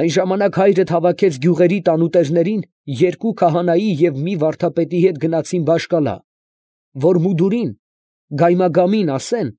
Այն ժամանակ հայրդ հավաքեց գյուղերի տանուտերներին երկու քահանայի ու մի վարդապետի հետ գնացին Բաշ֊Կալա, որ մուդուրին, գայմագամին ասեն,